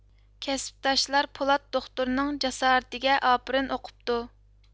كەسىپداشلار پولات دوختۇرنىڭ جاسارىتىگە ئاپىرىن ئوقۇپتۇ